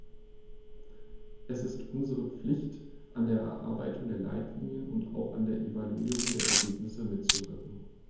Es ist unsere Pflicht, an der Erarbeitung der Leitlinien und auch an der Evaluierung der Ergebnisse mitzuwirken.